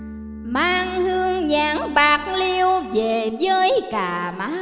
mang hương nhãn bạc liêu về với cà